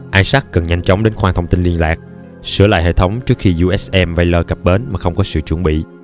isaac cần nhanh chóng đến khoang thông tin liên lạc sửa lại hệ thống trước khi usm valor cập bến mà không có sự chuẩn bị